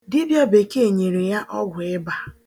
Dibịa bekee nyere ya ọgwụịba